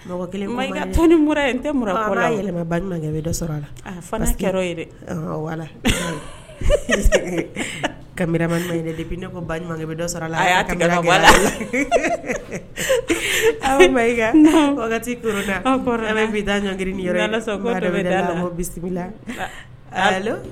La a fana kɛra dɛ bi nekɛ la bi dag ala bisimila